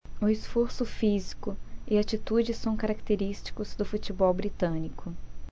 o esforço físico e a atitude são característicos do futebol britânico